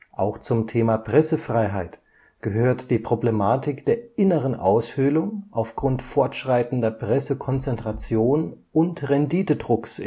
Auch zum Thema Pressefreiheit gehört die Problematik der inneren Aushöhlung aufgrund fortschreitender Pressekonzentration und Renditedrucks